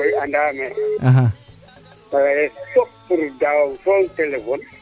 mi koy andaam ee fa layes fop pour um dawong soom telephone